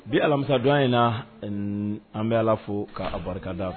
Bi alamisa dun in na an bɛ ala fo k'a barika da